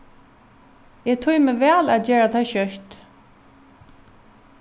eg tími væl at gera tað skjótt